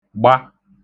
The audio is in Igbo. gba